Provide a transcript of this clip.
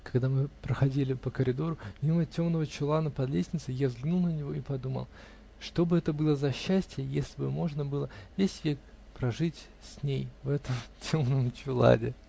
Когда мы проходили по коридору, мимо темного чулана под лестницей, я взглянул на него и подумал: "Что бы это было за счастие, если бы можно было весь век прожить с ней в этом темном чулане!